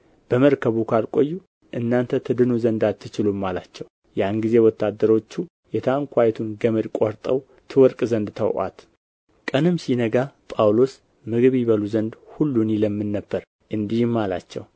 በመርከቡ ካልቆዩ እናንተ ትድኑ ዘንድ አትችሉም አላቸው ያን ጊዜ ወታደሮቹ የታንኳይቱን ገመድ ቈርጠው ትወድቅ ዘንድ ተዉአት ቀንም ሲነጋ ጳውሎስ ምግብ ይበሉ ዘንድ ሁሉን ይለምን ነበር እንዲህም አላቸው